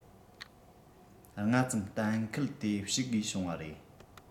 སྔ ཙམ གཏན འཁེལ དེ བཤིག དགོས བྱུང བ རེད